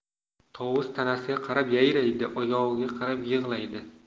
tovus tanasiga qarab yayraydi oyog'iga qarab yig'laydi